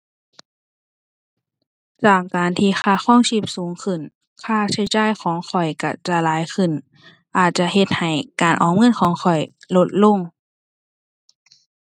จากการที่ค่าครองชีพสูงขึ้น ค่าใช้จ่ายของข้อยก็จะหลายขึ้น อาจจะเฮ็ดให้การออมเงินของข้อยลดลง